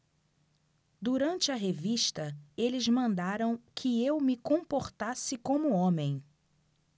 durante a revista eles mandaram que eu me comportasse como homem